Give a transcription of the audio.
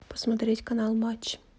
посмотреть канал матч